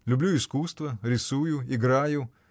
люблю искусство, рисую, играю.